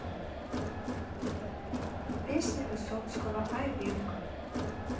песни высоцкого айвенго